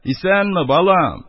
Исәнме, балам?..